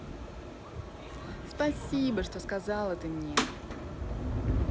спасибо что сказала ты мне